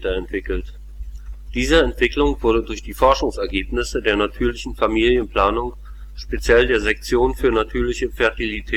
entwickelt. Diese Entwicklung wurde durch die Forschungsergebnisse der natürlichen Familienplanung, speziell der Sektion für natürliche Fertilität